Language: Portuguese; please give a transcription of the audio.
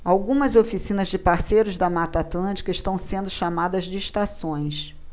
algumas oficinas de parceiros da mata atlântica estão sendo chamadas de estações